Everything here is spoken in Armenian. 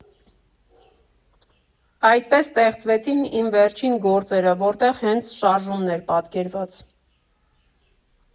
Այդպես ստեղծվեցին իմ վերջին գործերը, որտեղ հենց շարժումն է պատկերված։